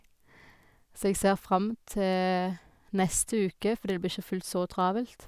Så jeg ser fram til neste uke, fordi det blir ikke fullt så travelt.